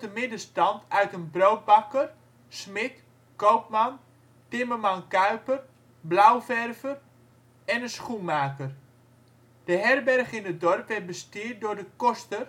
middenstand uit een broodbakker, smid, koopman, timmerman-kuiper, blauwverver en een schoenmaker. De herberg in het dorp werd bestierd door de koster/schoolmeester. Er